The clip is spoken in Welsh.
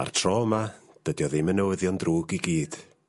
A'r tro yma dydi o ddim yn newyddion drwg i gyd.